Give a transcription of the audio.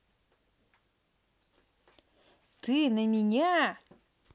ты на меня